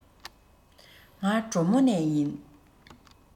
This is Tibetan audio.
ང གྲོ མོ ནས ཡིན